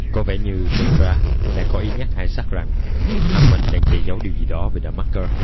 có vẻ như kendra đang có ý nhắc isaac rằng hammond đang che giấu điều gì đó về the marker